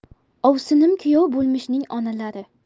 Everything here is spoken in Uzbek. ovsinim kuyov bo'lmishning onalari